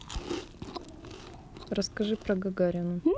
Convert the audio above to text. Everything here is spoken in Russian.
расскажи про гагарину